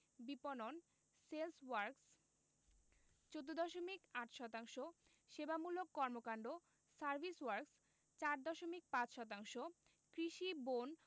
বিপণন sales works ১৪দশমিক ৮ শতাংশ সেবামূলক কর্মকান্ড সার্ভিস ওয়ার্ক্স ৪ দশমিক ৫ শতাংশ কৃষি বন